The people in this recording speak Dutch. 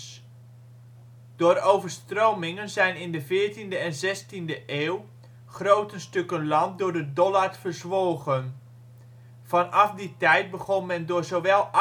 Door overstromingen zijn in de 14e en 16e eeuw grote stukken land door de Dollard verzwolgen. Vanaf die tijd begon men door zowel